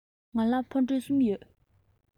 ང ལ ཕུ འདྲེན གསུམ ཡོད